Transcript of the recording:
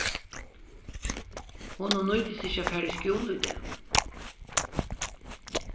honum nýtist ikki at fara í skúla í dag